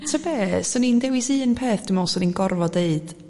t'wo be 'swn i'n dewis un peth dwi me'l swni'n gorfod deud